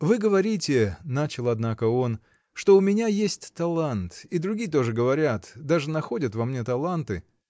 — Вы говорите, — начал, однако, он, — что у меня есть талант — и другие тоже говорят, даже находят во мне таланты.